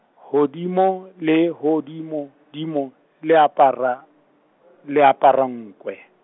hodimo, le hodimodimo le apara, le apara nkwe.